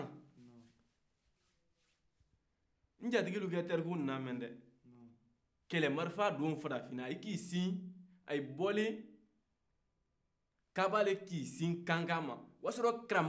n jatigilu ka tariku nin lamɛn dɛ kɛlɛmarifa don fadafinna ayi ki sin ayi bɔlen kaaba le ki sin kankan ma wasɔdɔ karamɔgɔ dayi ye kankan